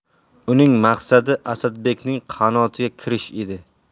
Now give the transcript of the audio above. uning maqsadi asadbekning qanotiga kirish edi